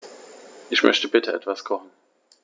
Ich möchte bitte etwas kochen.